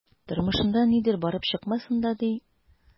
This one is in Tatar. Тормышында нидер барып чыкмасын да, ди...